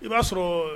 I b'a sɔrɔ